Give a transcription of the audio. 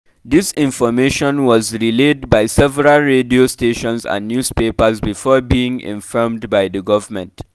This information was relayed by several radio stations and newspapers before being infirmed by the government.